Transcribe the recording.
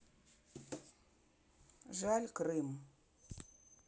жаль крым